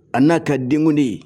A n'a ka denkunde ye